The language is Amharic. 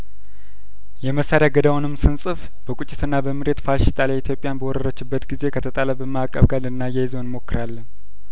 የመሳሪያ እገዳውንም ስንጽፍ በቁጭትና በምሬት ፋሺስት ኢጣልያ ኢትዮጵያን በወረረችበት ጊዜ ከተጣለብን ማእቀብ ጋር ልና ያይዘው እንሞክራለን